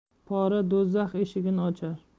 pora do'zax eshigini ochar